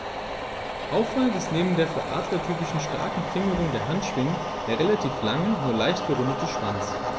Auffallend ist neben der für Adler typischen starken Fingerung der Handschwingen der relativ lange, nur leicht gerundete Schwanz.